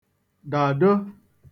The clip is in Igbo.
dàdo